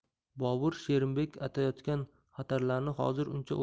bobur sherimbek aytayotgan xatarlarni hozir uncha